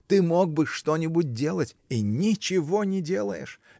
ты мог бы что-нибудь делать -- и ничего не делаешь